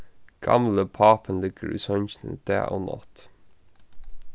gamli pápin liggur í songini dag og nátt